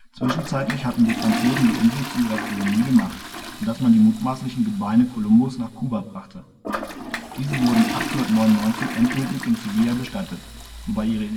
Zwischenzeitlich hatten die Franzosen die Insel zu ihrer Kolonie gemacht, so dass man die mutmaßlichen Gebeine Kolumbus ' nach Kuba brachte. Diese wurden 1899 endgültig in Sevilla bestattet, wobei